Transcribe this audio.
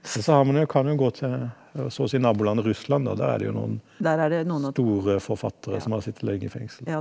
også har man jo kan jo gå til så og si nabolandet Russland da, der er det jo noen store forfattere som har sittet lenge i fengsel.